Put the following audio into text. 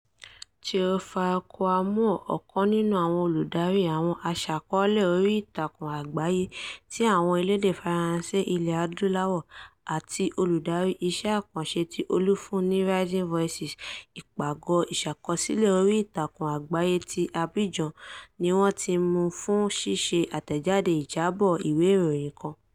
Théophile Kouamouo, ọ̀kan nínú àwọn olùdarí àwọn aṣàkọ́ọ́lẹ̀ orí ìtàkùn àgbáyé ti àwọn elédè Faransé Ilẹ̀ Adúláwò, àti olùdarí iṣẹ́ àkànṣe ti olùfúnni Rising Voices Ìpàgọ́ Ìṣàkọsílẹ̀ orí Ìtàkùn Àgbáyé ti Abidjan ni wọ́n ti mú fún ṣíṣe àtẹ̀jáde ìjábọ̀ ìwé ìròyìn kan.